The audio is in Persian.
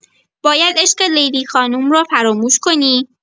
باید عشق لیلی خانم را فراموش کنی.